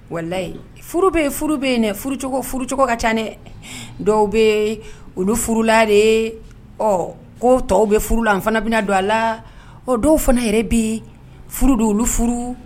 Walayi bɛ furu bɛcogo furucogo ka ca ne dɔw bɛ olu furula de ɔ ko tɔw bɛ furu la an fana bɛna don a la o dɔw fana yɛrɛ bɛ furu de olu furu